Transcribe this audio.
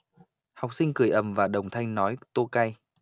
học sinh cười ầm và đồng thanh nói tô cay